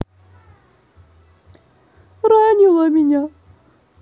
ранила меня